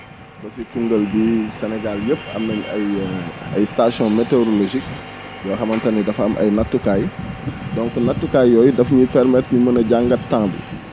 ba si Koungeul bii Sénégal yëpp am nañu ay ay stations météorologiques yoo xamante ni dafa am ay nattukaay donc nattukaay yooyu daf énuy permettre ñu mën a jàngat temps bi